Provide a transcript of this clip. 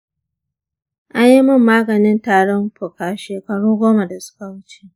an yi min maganin tarin fuka shekaru goma da suka wuce.